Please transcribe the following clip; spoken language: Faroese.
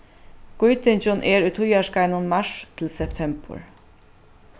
gýtingin er í tíðarskeiðnum mars til septembur